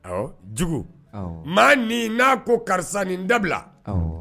Awɔ, Dicko, awɔ, maa, min n'a ko karisa ni dabila, awɔ.